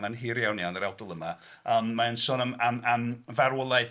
Mae'n hir iawn, iawn, yr awdl yma ond mae'n sôn am... am farwolaeth